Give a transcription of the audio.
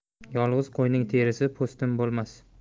yolg'iz qo'yning terisi po'stin bo'lmas